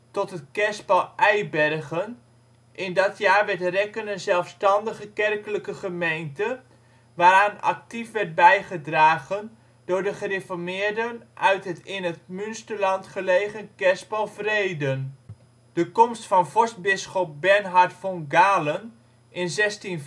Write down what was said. tot het kerspel Eibergen. In dat jaar werd Rekken een zelfstandige kerkelijke gemeente, waaraan actief werd bijgedragen door de gereformeerden uit het in het Munsterland gelegen kerspel Vreden. De komst van vorstbisschop Bernhard von Galen in 1650